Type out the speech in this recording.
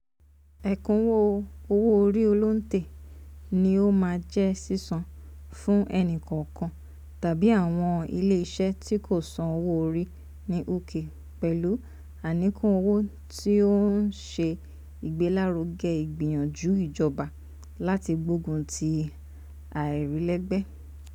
Ẹ̀kúnwó owó orí olóǹtẹ̀ ní ó máa jẹ́ sísan fún ẹnìkọ̀ọ̀kan tàbí àwọn ile iṣẹ́ tí kò san owó orí ní UK, pẹ̀lú àníkún owó tí ó ń ṣe ìgbélárugẹ ìgbìyànjú ìjọba láti gbogun ti àìrílégbé.